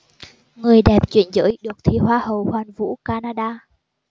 người đẹp chuyển giới được thi hoa hậu hoàn vũ canada